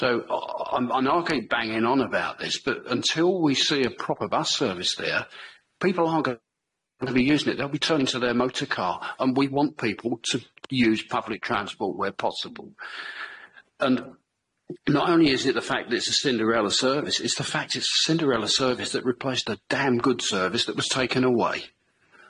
So o- o- I'm I know I keep banging on about this but until we see a proper bus service there people aren't gonna be using it they'll be turning to their motor car and we want people to use public transport where possible and not only is it the fact that it's a Cinderella service it's the fact it's a Cinderella service that replaced a damn good service that was taken away.